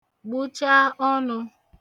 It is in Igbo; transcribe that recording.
gbụcha ọnụ̄